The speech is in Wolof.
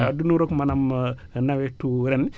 du niróog maanaam nawetu ren